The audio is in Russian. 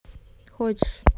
хочешь